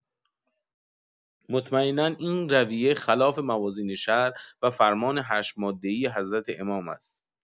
مطمئنا این رویه خلاف موازین شرع و فرمان هشت‌ماده‌ای حضرت امام است.